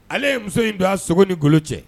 Ale ye muso in don a sogo ni golo cɛ